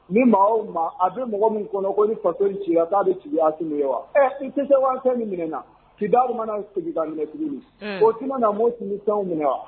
Ni maa o maa , a bɛ mɔgɔ min kɔnɔ ko ni faso in ci la, k'a bɛ ci Asim ye wa? Ɛɛ, ni Tinzawatɛn minɛ na , Kidal mana segin ka minɛ tugun i o tuma na u tɛna Muɛɛi ni Sanw minɛ wa?